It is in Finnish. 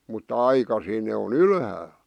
mutta aikaisin ne on ylhäällä